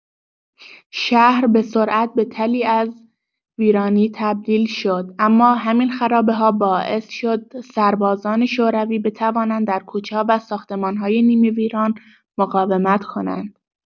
شهر به‌سرعت به تلی از ویرانی تبدیل شد، اما همین خرابه‌ها باعث شد سربازان شوروی بتوانند در کوچه‌ها و ساختمان‌های نیمه‌ویران مقاومت کنند.